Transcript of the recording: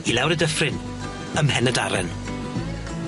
I lawr y dyffryn, ym Mhenydaren.